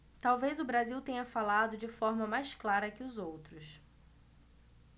talvez o brasil tenha falado de forma mais clara que os outros